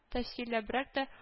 Тәфсилләбрәк тә